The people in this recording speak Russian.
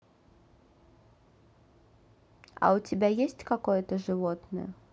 а у тебя есть какое то животное